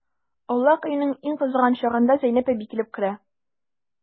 Аулак өйнең иң кызган чагында Зәйнәп әби килеп керә.